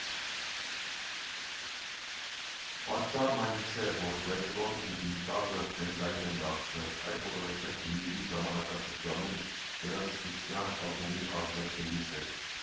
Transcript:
Պատճառն այն չէ, որ ռետրոն ու վինտաժը թրենդային են դարձել, այլ որովհետև վինիլի ժամանակաշրջանում երաժշտության, ալբոմի արժեքն ուրիշ էր։